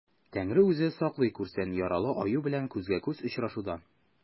Тәңре үзе саклый күрсен яралы аю белән күзгә-күз очрашудан.